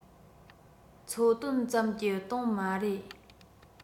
འཚོལ དོན ཙམ ཀྱི དོན མ རེད